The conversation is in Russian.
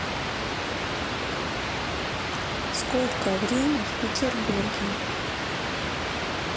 сколько время в петербурге